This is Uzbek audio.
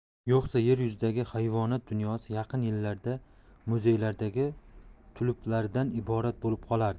yo'qsa yer yuzidagi hayvonot dunyosi yaqin yillarda muzeylardagi tuluplardan iborat bo'lib qolardi